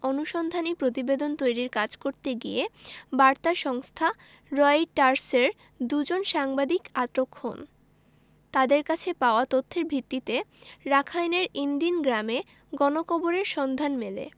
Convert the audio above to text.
অনুসন্ধানী প্রতিবেদন তৈরির কাজ করতে গিয়ে বার্তা সংস্থা রয়টার্সের দুজন সাংবাদিক আটক হন তাঁদের কাছে পাওয়া তথ্যের ভিত্তিতে রাখাইনের ইন দিন গ্রামে গণকবরের সন্ধান মেলে